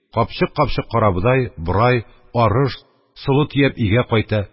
Капчыккапчык карабодай, борай, арыш, солы төяп өйгә кайта,